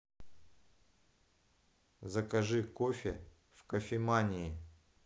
закажи кофе в кофемании